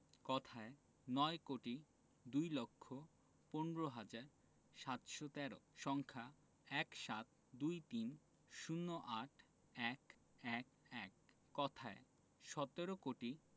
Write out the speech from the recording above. কথায় নয় কোটি দুই লক্ষ পনরো হাজার সাতশো তেরো সংখ্যা ১৭২৩০৮১১১ কথায় সতেরো কোটি